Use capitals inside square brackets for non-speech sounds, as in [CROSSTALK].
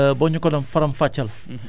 [HESITATION] boo ñu ko doon faram-fàcceel